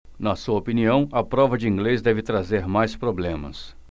na sua opinião a prova de inglês deve trazer mais problemas